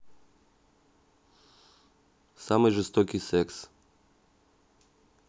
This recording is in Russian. самый жестокий секс